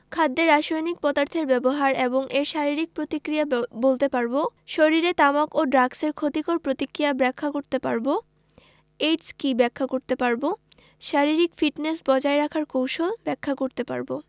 খাদ্যে রাসায়নিক পদার্থের ব্যবহার এবং এর শারীরিক প্রতিক্রিয়া বলতে পারব শরীরে তামাক ও ড্রাগসের ক্ষতিকর প্রতিক্রিয়া ব্যাখ্যা করতে পারব এইডস কী ব্যাখ্যা করতে পারব শারীরিক ফিটনেস বজায় রাখার কৌশল ব্যাখ্যা করতে পারব